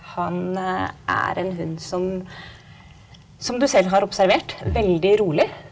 han er en hund som som du selv har observert veldig rolig.